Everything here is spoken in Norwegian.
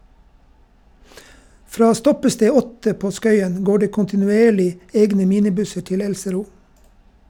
Fra stoppested 8 på Skøyen går det kontinuerlig egne minibusser til Elsero.